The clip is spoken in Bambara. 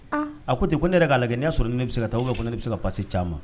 A ko tɛ ko ne k'a lajɛ kɛ n'a sɔrɔ ne bɛ se ka taa aw ko ne bɛ se ka pasi ca ma